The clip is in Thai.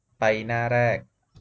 ไปหน้าแรก